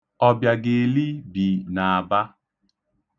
Ọbịageli bi n’Aba.